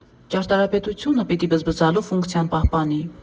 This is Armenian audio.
«Ճարտարապետությունը պիտի բզբզալու ֆունկցիան պահպանի»